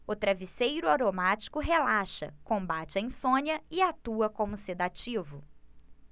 o travesseiro aromático relaxa combate a insônia e atua como sedativo